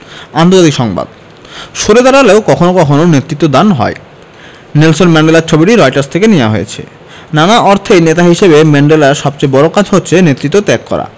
আন্তর্জাতিক সংবাদ সরে দাঁড়ালেও কখনো কখনো নেতৃত্বদান হয় নেলসন ম্যান্ডেলার ছবিটি রয়টার্স থেকে নেয়া হয়েছে নানা অর্থেই নেতা হিসেবে ম্যান্ডেলার সবচেয়ে বড় কাজ হচ্ছে নেতৃত্ব ত্যাগ করা